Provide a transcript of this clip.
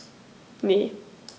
Ne.